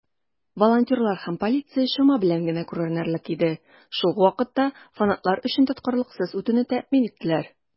Волонтерлар һәм полиция чама белән генә күренерлек иде, шул ук вакытта фанатлар өчен тоткарлыксыз үтүне тәэмин иттеләр.